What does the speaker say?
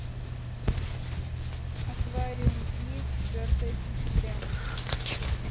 аквариум киев четвертое сентября